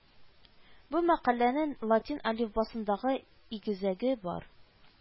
Бу мәкаләнең латин әлифбасындагы игезәге бар